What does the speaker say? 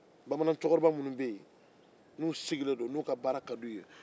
bamanancɛkɔrɔba minnu bɛ yen n'u sigilen don n'u ka baara ka d'u ye